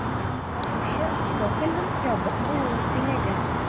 Сатучы цокольның ябык булуын сөйләгән.